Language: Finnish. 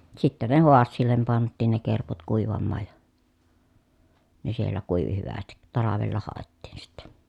sitten ne haasialle pantiin ne kerput kuivamaan ja ne siellä kuivui hyvästi talvella haettiin sitten